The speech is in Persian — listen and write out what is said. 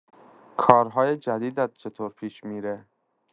کارهای جدیدت چطور پیش می‌ره؟